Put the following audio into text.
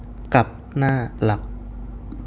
กลับหน้าหลัก